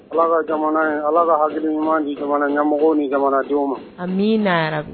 Ala ka jamana ye ala ka hakilikidu ɲuman di jamana ɲɛmɔgɔ ni jamanadenw ma amiina na